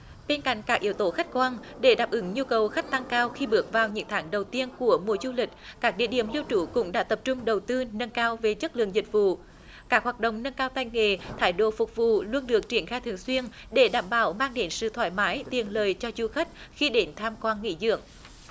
bên cạnh các yếu tố khách quan để đáp ứng nhu cầu khách tăng cao khi bước vào những tháng đầu tiên của mùa du lịch các địa điểm lưu trú cũng đã tập trung đầu tư nâng cao về chất lượng dịch vụ các hoạt động nâng cao tay nghề thái độ phục vụ luôn được triển khai thường xuyên để đảm bảo mang đến sự thoải mái tiện lợi cho du khách khi đến tham quan nghỉ dưỡng